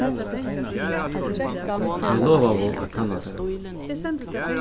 tey lovaðu at kanna tað